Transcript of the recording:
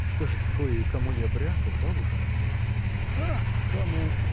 — Что же такое и кому я брякал, бабушка? — Как кому?